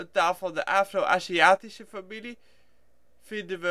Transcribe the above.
taal van de Afro-Aziatische familie) vinden